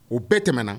U bɛɛ tɛmɛna